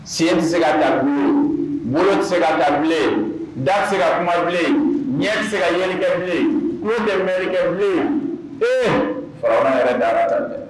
Sen tɛ se ka bolo tɛ se ka ta bilen da te se ka kumabilen ɲɛ tɛ se ka yeli kɛ bilen kulo tɛ mɛni kɛ bilen ee